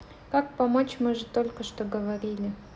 как помочь мы же только что говорили